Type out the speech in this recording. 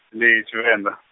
ndi, Tshivenḓa.